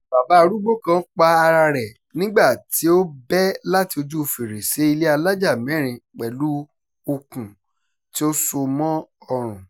Bàbá arúgbó kan pa ara rẹ̀ nígbà tí ó bẹ́ láti ojúu fèrèsé ilé alájà-mẹ́rin pẹ̀lú okùn tí ó so mọ́ ọrùn.